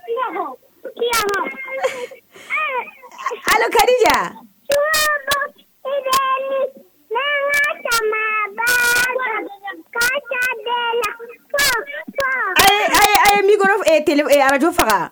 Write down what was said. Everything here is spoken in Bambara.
Alikaridiya faama tile ka ja araj faga